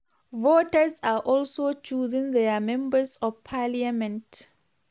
Voters are also choosing their members of parliament.